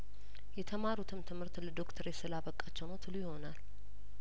የተማሩትም ትምህርት ለዶክትሬት ስላበቃቸው ነው ትሉ ይሆናል